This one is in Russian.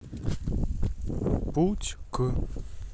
путь к